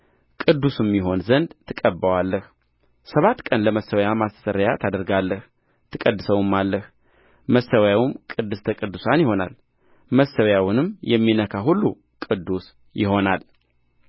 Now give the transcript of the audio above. ቅዱስም ይሆን ዘንድ ትቀባዋለህ ሰባት ቀን ለመሠዊያው ማስተስረያ ታደርጋለህ ትቀድሰውማለህ መሠዊያውም ቅድስተ ቅዱሳን ይሆናል መሠዊያውንም የሚነካ ሁሉ ቅዱስ ይሆናል